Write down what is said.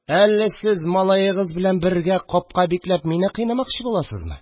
– әле сез малаегыз белән бергә капка бикләп мине кыйнамакчы буласызмы